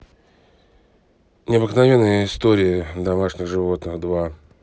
необыкновенные истории домашних животных два